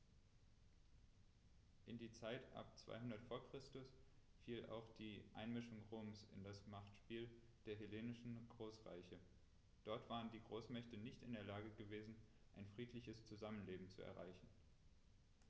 In die Zeit ab 200 v. Chr. fiel auch die Einmischung Roms in das Machtspiel der hellenistischen Großreiche: Dort waren die Großmächte nicht in der Lage gewesen, ein friedliches Zusammenleben zu erreichen.